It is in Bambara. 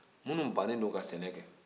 minnu bannen don ka sɛnɛ kɛ